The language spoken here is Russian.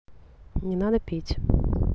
не надо пить